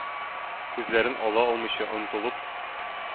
Күзләрен ала алмыйча, онытылып: